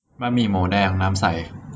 บะหมี่หมูแดงน้ำใส